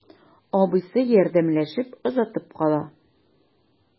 Абыйсы ярдәмләшеп озатып кала.